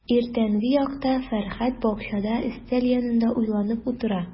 Иртәнге якта Фәрхәт бакчада өстәл янында уйланып утыра.